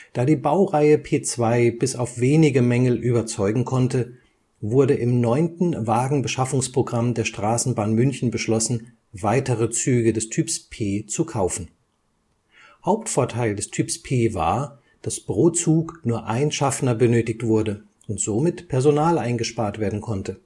Da die Baureihe P 2 bis auf wenige Mängel überzeugen konnte, wurde im 9. Wagenbeschaffungsprogramm der Straßenbahn München beschlossen, weitere Züge des Typs P zu kaufen. Hauptvorteil des Typs P war, dass pro Zug nur ein Schaffner benötigt wurde und somit Personal eingespart werden konnte